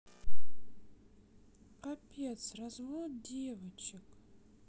капец развод девочек